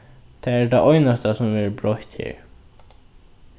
tað er tað einasta sum verður broytt her